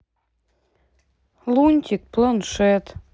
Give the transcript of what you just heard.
лунтик планшет